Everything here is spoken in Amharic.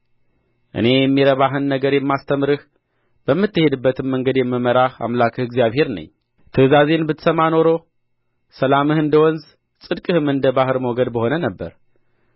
እኔ የሚረባህን ነገር የማስተምርህ በምትሄድባትም መንገድ የምመራህ አምላክህ እግዚአብሔር ነኝ ትእዛዜን ብትሰማ ኖሮ ሰላምህ እንደ ወንዝ ጽድቅህም እንደ ባሕር ሞገድ በሆነ ነበር